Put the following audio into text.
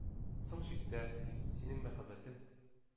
«соң чиктә, дип, синең мәхәббәтең